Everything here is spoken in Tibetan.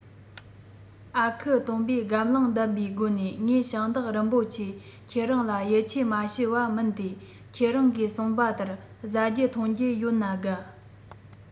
ཨ ཁུ སྟོན པས སྒམ བརླིང ལྡན པའི སྒོ ནས ངས ཞིང བདག རིན པོ ཆེ ཁྱེད རང ལ ཡིད ཆེས མ ཞུ བ མིན ཏེ ཁྱེད རང གིས གསུངས པ ལྟར བཟའ རྒྱུ འཐུང རྒྱུ ཡོད ན དགའ